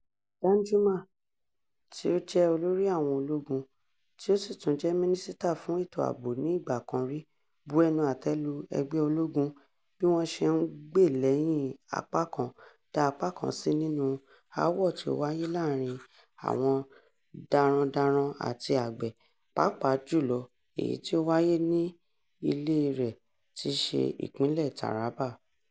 Danjuma, tí ó jẹ olórí àwọn ológun, tí o si tún jẹ́ mínísítà fún ètò abo ní ìgbà kan rí, bu ẹnu àtẹ́ lu ẹgbẹ́ ológun bí wọ́n ṣe ń gbé lẹ́yìn apá kan dá apá kan sí nínú aáwọ̀ tí ó wáyé láàárín àwọn darandaran àti àgbẹ̀, pàápàá jù lọ èyí tí ó wáyé ní ilée rẹ̀ tí í ṣe ìpínlẹ̀ Taraba.